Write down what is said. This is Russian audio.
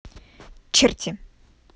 черти